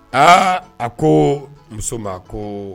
Aa a ko muso ma ko